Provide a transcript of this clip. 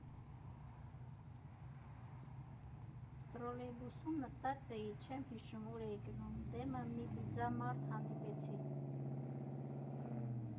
Տրոլեյբուսում նստած էի, չեմ հիշում՝ ուր էի գնում, դեմը մի բիձա մարդ հանդիպեցի։